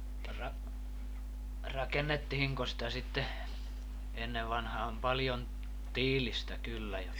mutta - rakennettiinko sitä sitten ennen vanhaan paljon tiilistä kyllä jotta